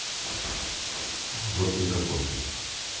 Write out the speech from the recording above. работай работай